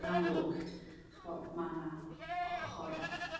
yn amlwg ch'bo' ma' na ochor